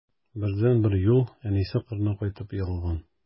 Бердәнбер юл: әнисе кырына кайтып егылган.